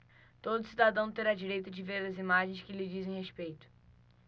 todo cidadão terá direito de ver as imagens que lhe dizem respeito